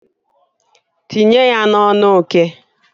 Tinye ya n'ọnụ oke.